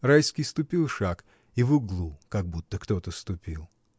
Райский ступил шаг, и в углу как будто кто-то ступил.